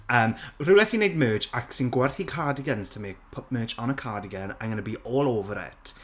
Yym rywle sy'n wneud merch ac sy'n gwerthu cardigans to make... put merch on a cardigan I'm gonna to be all over it